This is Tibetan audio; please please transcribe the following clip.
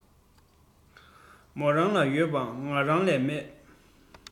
མོ རང ལ ཡོད པ ང རང ལས མེད